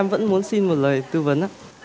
em vẫn muốn xin một lời tư vấn ạ